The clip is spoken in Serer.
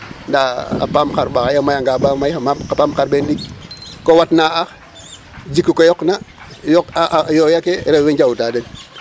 Ndaa xa paam xarɓaxay a mayanga ba may xa paax xarɓeen ɗik ;koo watna ax jiku ke yoqna yoq a yooy ake rew we njawta den .